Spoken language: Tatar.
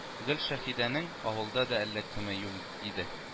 Гөлшәһидәнең авылда да әллә кеме юк иде